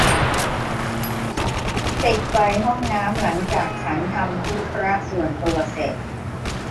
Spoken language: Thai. ปิดไฟห้องน้ำหลังจากฉันทำธุระส่วนตัวเสร็จ